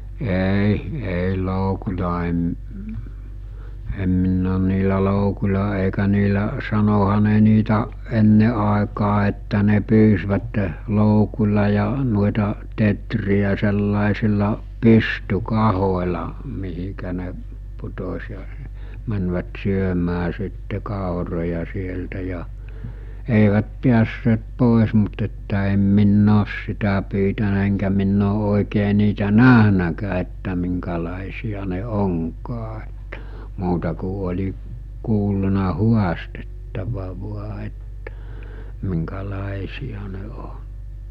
ei ei loukulla en - en minä olen niillä loukuilla eikä niillä sanoihan ne niitä ennen aikaa että ne pyysivät loukulla ja noita teeriä sellaisilla pystykahoilla mihin ne putosi ja menivät syömään sitten kauroja sieltä ja eivät päässeet pois mutta että en minä ole sitä pyytänyt enkä minä ole oikein niitä nähnytkään että minkälaisia ne onkaan että muuta kuin oli kuullut haastettava vain että minkälaisia ne on